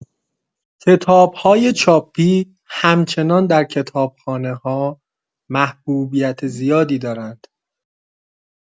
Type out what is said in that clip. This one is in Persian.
کتاب‌های چاپی همچنان در کتابخانه‌ها محبوبیت زیادی دارند.